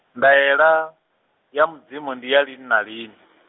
ndaela, ya Mudzimu ndi ya lini na lini.